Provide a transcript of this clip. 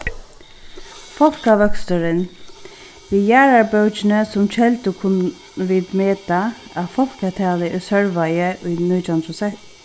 fólkavøksturin við jarðarbókini sum keldu kunnu vit meta at fólkatalið í sørvági